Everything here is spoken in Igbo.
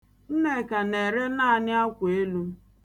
Nneka na-ere naanị akweelu.